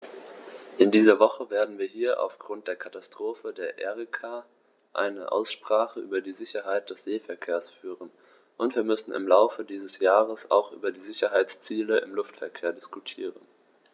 In dieser Woche werden wir hier aufgrund der Katastrophe der Erika eine Aussprache über die Sicherheit des Seeverkehrs führen, und wir müssen im Laufe dieses Jahres auch über die Sicherheitsziele im Luftverkehr diskutieren.